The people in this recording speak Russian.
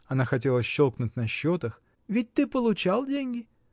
— Она хотела щелкнуть на счетах. — Ведь ты получал деньги?